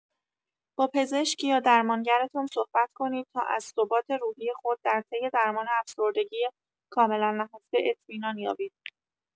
با پزشک یا درمانگرتان صحبت کنید تا از ثبات روحی خود در طی درمان افسردگی کاملا نهفته اطمینان یابید.